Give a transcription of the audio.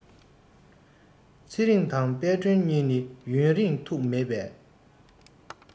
ཚེ རིང དང དཔལ སྒྲོན གཉིས ནི ཡུན རིང ཐུགས མེད པས